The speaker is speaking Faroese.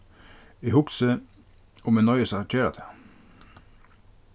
eg hugsi um eg noyðist at gera tað